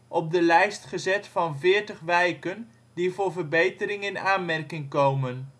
op de lijst gezet van veertig wijken die voor verbetering in aanmerking komen